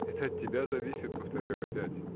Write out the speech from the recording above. — Это от тебя зависит, повторяю опять.